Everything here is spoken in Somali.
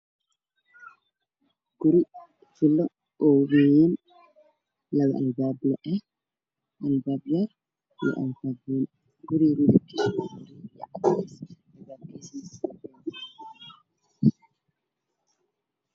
Meeshan waa guri oo ganjeel buluug leh dhulkana waa samiito ama mutuleel